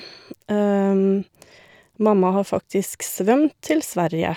Mamma har faktisk svømt til Sverige.